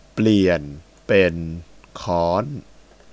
เปลี่ยนเป็นค้อน